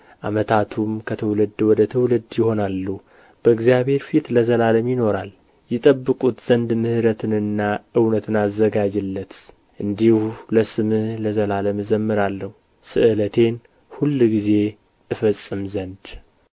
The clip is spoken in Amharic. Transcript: ዓመታቱም ከትውልድ ወደ ትውልድ ይሆናሉ በእግዚአብሔር ፊት ለዘላለም ይኖራል ይጠብቁት ዘንድ ምሕረትንና እውነትን አዘጋጅለት እንዲሁ ለስምህ ለዘላለም እዘምራለሁ ስእለቴን ሁልጊዜ እፈጽም ዘንድ